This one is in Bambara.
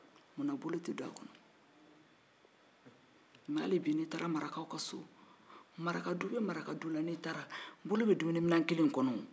halibi n'i taara marakaw ka so bolo bɛ don dumuniminɛn kelen kɔnɔ